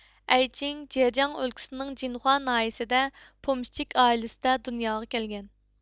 ئەيچىڭ جېجياڭ ئۆلكىسىنىڭ جىنخۇا ناھىيىسىدە پومشىچىك ئائىلىسىدە دۇنياغا كەلگەن